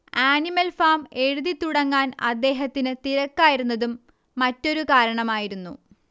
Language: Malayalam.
ആനിമൽ ഫാം എഴുതിത്തുടങ്ങാൻ അദ്ദേഹത്തിന് തിരക്കായിരുന്നതും മറ്റൊരു കാരണമായിരുന്നു